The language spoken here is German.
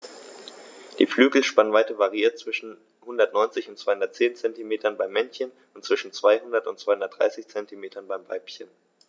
Die Flügelspannweite variiert zwischen 190 und 210 cm beim Männchen und zwischen 200 und 230 cm beim Weibchen.